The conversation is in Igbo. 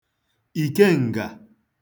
ìkeǹgà